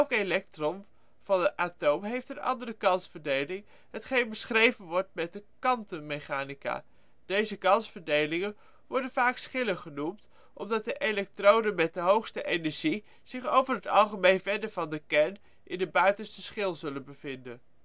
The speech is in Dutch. elektron van het atoom heeft een andere kansverdeling, hetgeen beschreven wordt met de kwantummechanica. Deze kansverdelingen worden vaak " schillen " genoemd, omdat de elektronen met de hoogste energie zich over het algemeen verder van de kern, in de " buitenste schil ", zullen bevinden